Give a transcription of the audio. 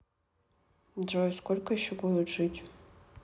джой сколько еще будет жить